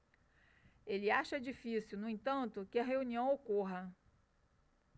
ele acha difícil no entanto que a reunião ocorra